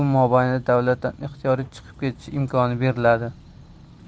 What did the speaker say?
mobaynida davlatdan ixtiyoriy chiqib ketish imkoni beriladi